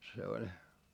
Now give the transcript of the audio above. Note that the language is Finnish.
se oli